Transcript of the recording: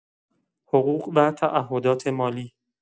حقوق و تعهدات مالی